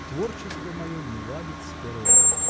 Творчество мое не ладит с пером.